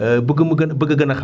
bëgg mu gën a bëgg a gën a xam